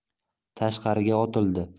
tashqariga otildi